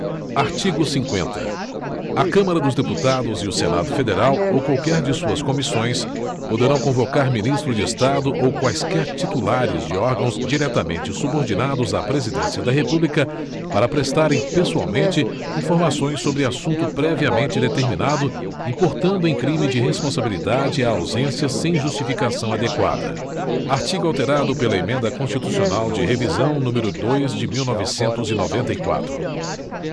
artigo cinquenta a câmara dos deputados e o senado federal ou qualquer de suas comissões poderão convocar ministro de estado ou quaisquer titulares de órgãos diretamente subordinados à presidência da república para prestarem pessoalmente informações sobre assunto previamente determinado importando em crime de responsabilidade a ausência sem justificação adequada artigo alterado pela emenda constitucional de revisão número dois de mil novecentos e noventa e quatro